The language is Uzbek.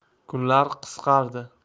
kunlar qisqardi